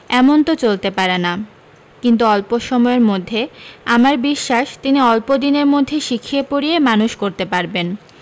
এমন তো চলতে পারে না কিন্তু অল্প সময়ের মধ্যে আমার বিশ্বাস তিনি অল্প দিনের মধ্যে শিখিয়ে পড়িয়ে মানুষ করতে পারবেন